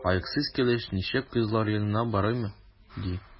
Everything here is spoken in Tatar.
Аяксыз килеш ничек кызлар янына барыйм, ди?